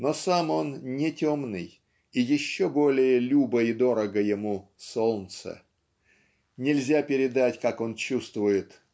но сам он не темный, и еще более любо и дорого ему - солнце. Нельзя передать как он чувствует